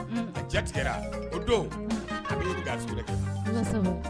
A ja tigɛ la o don a wɛrɛ kɛ.